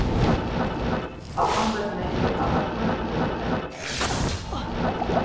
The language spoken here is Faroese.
á sandoynni er annars eingin tunnil enn